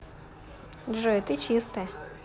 джой ты чистая